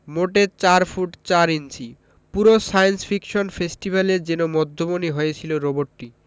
মোটে ৪ foot ৪ inch পুরো science fiction ফেস্টিভ্যালে যেন মধ্যমণি হয়েছিল রোবটটি